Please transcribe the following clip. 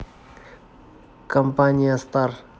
компания стар